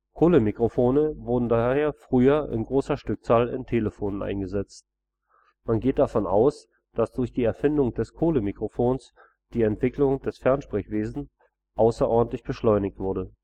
Kohlemikrofone wurden daher früher in großer Stückzahl in Telefonen eingesetzt. Man geht davon aus, dass durch die Erfindung des Kohlemikrofons die Entwicklung des Fernsprechwesens außerordentlich beschleunigt wurde